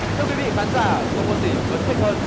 thưa quý vị khán giả không có gì phấn khích hơn